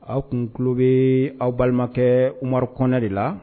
Aw kun tulolo bɛ aw balimakɛmari kɔnɛ de la